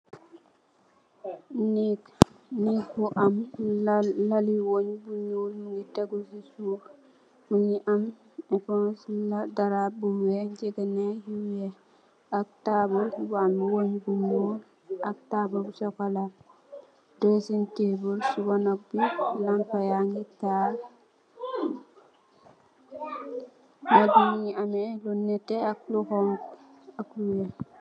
Neeg neeg bu am laal laali weng bu nuul mongi tegu si suuf mongi am epons laal dara bu weex ngegenay bu weex ak taabul bu am weng bu nuul ak taabul bu cxocola dressing table si wanak bi lampa yangi taal mungi ame lu netex ak lu xonku ak lu weex.